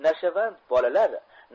nashavand bolalar